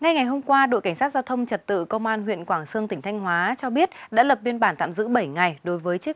ngay ngày hôm qua đội cảnh sát giao thông trật tự công an huyện quảng xương tỉnh thanh hóa cho biết đã lập biên bản tạm giữ bảy ngày đối với chiếc